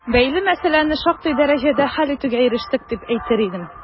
Бәйле мәсьәләне шактый дәрәҗәдә хәл итүгә ирештек, дип әйтер идем.